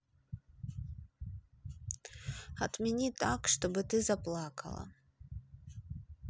отмени так чтобы ты заплакала